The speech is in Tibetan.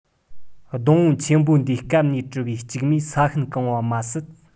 སྡོང བོ ཆེན པོ འདིའི སྐམ ནས བྲུལ བའི ལྕུག མས ས ཤུན བཀང བ མ ཟད